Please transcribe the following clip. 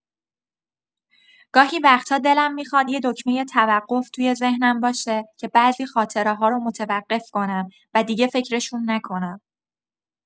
گاهی وقتا دلم می‌خواد یه دکمۀ توقف توی ذهنم باشه که بعضی خاطره‌ها رو متوقف کنم و دیگه فکرشون نکنم.